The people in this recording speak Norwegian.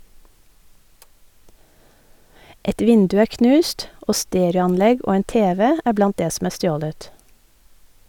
Et vindu er knust, og stereoanlegg og en tv er blant det som er stjålet.